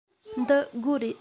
འདི སྒོ རེད